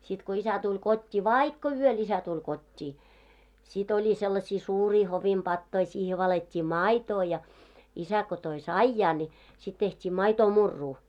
sitten kun isä tuli kotiin vaikka yöllä isä tuli kotiin sitten oli sellaisia suuria hovin patoja siihen valettiin maitoa ja isä kun toi saijaa niin sitten tehtiin maitomurua